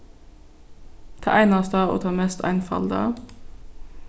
tað einasta og tað mest einfalda